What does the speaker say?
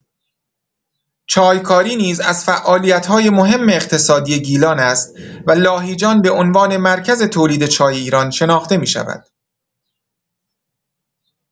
چای‌کاری نیز از فعالیت‌های مهم اقتصادی گیلان است و لاهیجان به عنوان مرکز تولید چای ایران شناخته می‌شود.